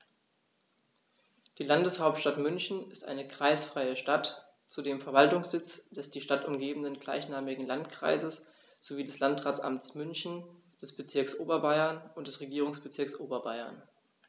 Die Landeshauptstadt München ist eine kreisfreie Stadt, zudem Verwaltungssitz des die Stadt umgebenden gleichnamigen Landkreises sowie des Landratsamtes München, des Bezirks Oberbayern und des Regierungsbezirks Oberbayern.